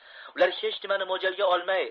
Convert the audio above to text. ular hech nimani mo'ljalga olmay